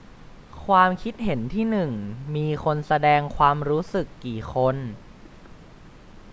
ความคิดเห็นที่หนึ่งมีคนแสดงความรู้สึกกี่คน